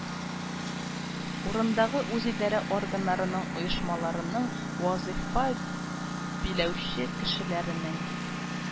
Урындагы үзидарә органнарының, оешмаларның вазыйфа биләүче кешеләренең